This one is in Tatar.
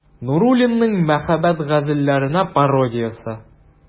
Нуруллинның «Мәхәббәт газәлләренә пародия»се.